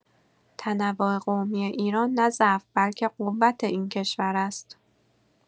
تنوع قومی ایران نه ضعف بلکه قوت این کشور است.